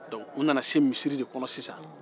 donke o nana se misiri de kɔnɔ sisan